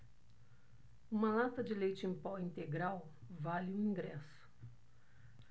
uma lata de leite em pó integral vale um ingresso